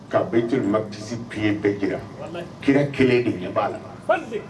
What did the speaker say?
K'a teri ma psi pɲɛ bɛɛ jira kira kelen de de b'a la